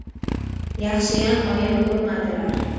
yaxshiyam oyim ko'rmadilar